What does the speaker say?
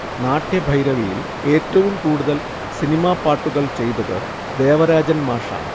നാട്യഭൈരവിയിൽ ഏറ്റവും കൂടുതൽ സിനിമാ പാട്ടുകൾ ചെയ്തത് ദേവരാജൻ മാഷാണ്